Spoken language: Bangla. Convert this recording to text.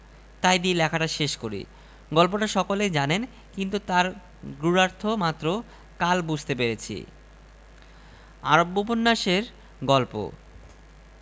শুনতে পাই এঁরা নাকি জিদকে কখনো ক্ষমা করেন নি আর কত বলব বাঙালীর কি চেতনা হবে তাও বুঝতুম যদি বাঙালীর জ্ঞানতৃষ্ণা না থাকত